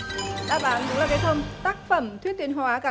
đáp án đúng là cây thông tác phẩm thuyết tiến hóa gắn